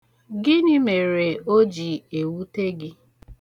Gịnị mere o ji ewute gị?